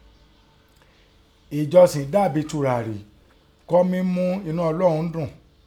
Ẹ̀jọsìn. dàbín tùràrí kọ́ mín mú ẹnú Ọlọ́un dùn.